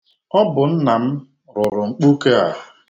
Ọ bụ nna m rụrụ mkpuke a.